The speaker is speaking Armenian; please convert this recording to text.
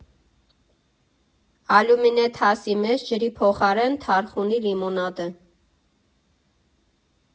Ալյումինե թասի մեջ ջրի փոխարեն թարխունի լիմոնադ է։